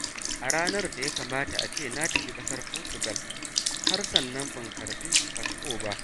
A ranar da ya kamata ace na tafi ƙasar Portugal, har a sannan ban karɓi fasfo ba...